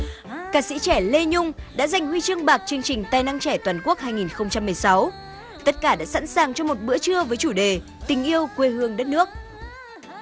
ca sĩ trẻ lê nhung đã giành huy chương bạc chương trình tài năng trẻ toàn quốc hai nghìn không trăm mười sáu tất cả đã sẵn sàng cho một bữa trưa với chủ đề tình yêu quê hương đất nước